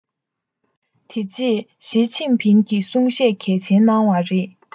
དེ རྗེས ཞིས ཅིན ཕིང གིས གསུང བཤད གལ ཆེན གནང བ རེད